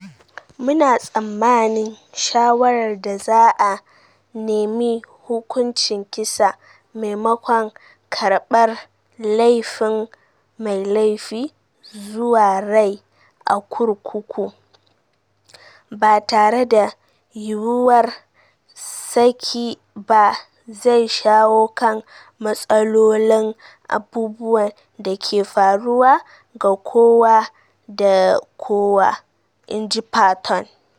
"Mu na tsammanin shawarar da za a nemi hukuncin kisa maimakon karɓar laifin mai laifi zuwa rai a kurkuku ba tare da yiwuwar saki ba zai shawo kan matsalolin abubuwan da ke faruwa ga kowa da kowa", inji Patton.